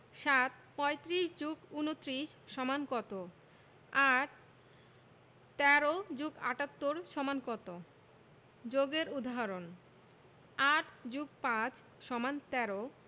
৭ ৩৫ + ২৯ = কত ৮ ১৩ + ৭৮ = কত যোগের উদাহরণঃ ৮ + ৫ = ১৩